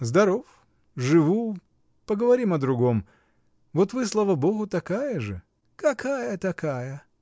— Здоров, живу — поговорим о другом. Вот вы, слава Богу, такая же. — Какая такая?